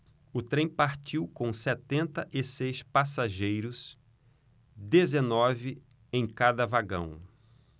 o trem partiu com setenta e seis passageiros dezenove em cada vagão